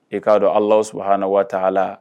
I k'a dɔn ala suhauna waa a la